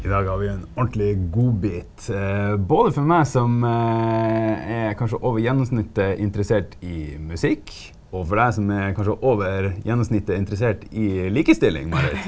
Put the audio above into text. i dag har vi ein ordentleg godbit både for meg som er kanskje over gjennomsnittet interessert i musikk, og for deg som er kanskje over gjennomsnittet interessert i likestilling, Marit.